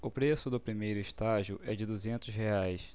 o preço do primeiro estágio é de duzentos reais